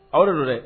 Awɔ, o de don dɛ.